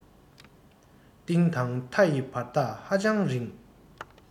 གཏིང དང མཐའ ཡི བར ཐག ཧ ཅང རིང